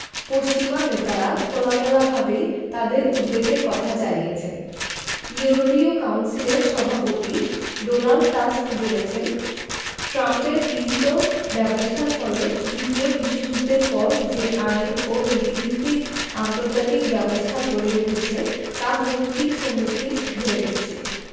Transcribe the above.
পশ্চিমা নেতারা খোলামেলাভাবেই তাঁদের উদ্বেগের কথা জানিয়েছেন ইউরোপীয় কাউন্সিলের সভাপতি ডোনাল্ড টাস্ক বলেছেন ট্রাম্পের গৃহীত ব্যবস্থার ফলে দ্বিতীয় বিশ্বযুদ্ধের পর যে আইন ও নীতিভিত্তিক আন্তর্জাতিক ব্যবস্থা গড়ে উঠেছে তা হুমকির সম্মুখীন হয়েছে